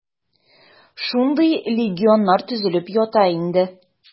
Шундый легионнар төзелеп ята инде.